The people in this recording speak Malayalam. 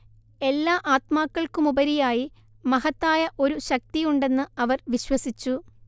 എല്ലാ ആത്മാക്കൾക്കുമുപരിയായി മഹത്തായ ഒരു ശക്തിയുണ്ടെന്ന് അവർ വിശ്വസിച്ചു